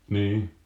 niin